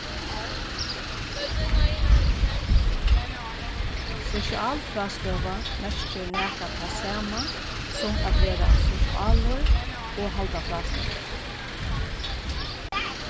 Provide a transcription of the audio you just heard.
sosialfrástøða merkir nakað tað sama sum at vera sosialur og halda frástøðu